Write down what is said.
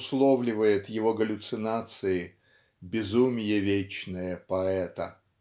обусловливает его галлюцинации "безумье вечное поэта".